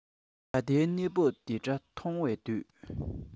ད ལྟའི གནས བབས འདི འདྲ མཐོང བའི དུས